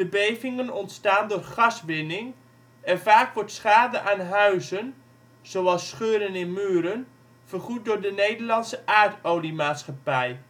bevingen ontstaan door gaswinning, en vaak wordt schade aan huizen zoals scheuren in muren vergoed door de Nederlandse Aardolie Maatschappij